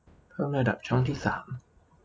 เพิ่มระดับช่องที่สาม